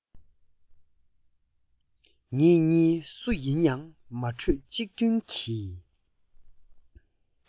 ངེད གཉིས སུ ཡིན ཡང མ བགྲོས གཅིག མཐུན གྱི